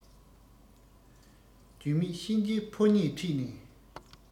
རྒྱུས མེད གཤིན རྗེ ཕོ ཉས ཁྲིད ནས